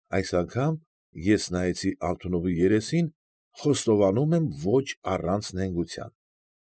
Այս անգամ ես նայեցի Ալթունովի երեսին, խոստովանում եմ, ոչ առանց նենգության։